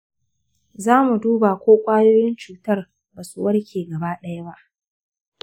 za mu duba ko ƙwayoyin cutar ba su warke gaba ɗaya ba.